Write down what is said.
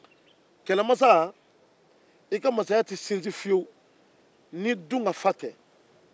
dunkafa in bɛ sɔrɔ cogo di